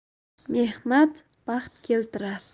mehnat baxt keltirar